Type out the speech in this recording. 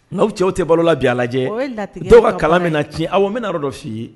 cɛw tɛ balo la bi a lajɛ dɔw ka kalan bɛna cɛn awɔ n bɛna yɔrɔ dɔ f'i ye